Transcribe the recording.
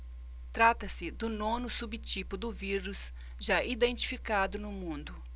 trata-se do nono subtipo do vírus já identificado no mundo